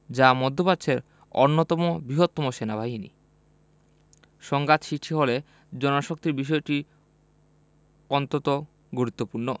যা মধ্যপ্রাচ্যের অন্যতম বৃহৎ সেনাবাহিনী সংঘাত সৃষ্টি হলে জনশক্তির বিষয়টি অন্তত গুরুত্বপূর্ণ